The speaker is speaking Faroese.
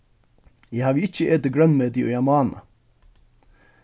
eg havi ikki etið grønmeti í ein mánað